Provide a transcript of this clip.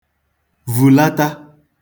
vùlata